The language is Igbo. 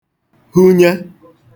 hunye